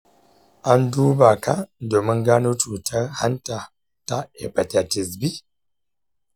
an duba ka domin gano cutar hanta ta hepatitis b?